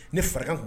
Ne fara